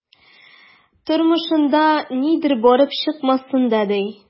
Тормышында нидер барып чыкмасын да, ди...